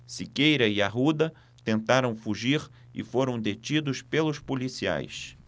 siqueira e arruda tentaram fugir e foram detidos pelos policiais